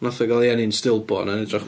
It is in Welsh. Wnaeth o gael ei eni'n stillborn yn hytrach...